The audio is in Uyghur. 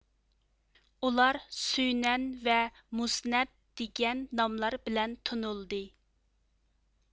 ئۇلار سۈنەن ۋە مۇسنەد دىگەن ناملار بىلەن تونۇلدى